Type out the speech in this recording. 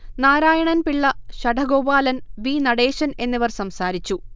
Narayanan Pillai, Sadagopalan, V. Natesan എന്നിവർ സംസാരിച്ചു